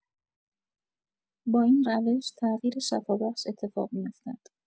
با این روش، تغییر شفابخش اتفاق می‌افتد.